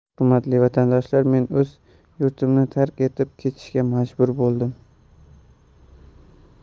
hurmatli vatandoshlar men o'z yurtimni tark etib ketishga majbur bo'ldim